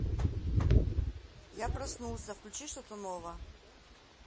я проснулся включи шатунова